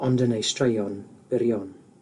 ond yn ei straeon byrion.